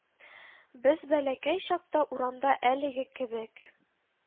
Без бәләкәй чакта урамда әлеге кебек